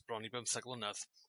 bron i bymthag mlynadd